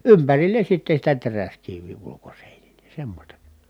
ympärille sitten sitä teräskiveä ulkoseinille semmoista